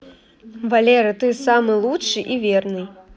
валера ты самый лучший и верный